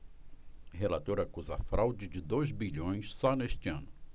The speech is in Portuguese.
relator acusa fraude de dois bilhões só neste ano